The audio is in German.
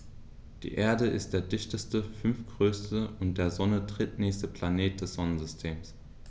Die Erde ist der dichteste, fünftgrößte und der Sonne drittnächste Planet des Sonnensystems.